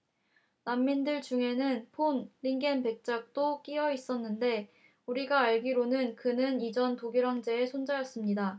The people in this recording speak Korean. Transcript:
난민들 중에는 폰 링겐 백작도 끼여 있었는데 우리가 알기로는 그는 이전 독일 황제의 손자였습니다